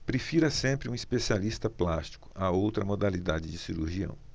prefira sempre um especialista plástico a outra modalidade de cirurgião